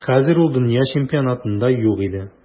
Хәзер ул дөнья чемпионатында юк иде.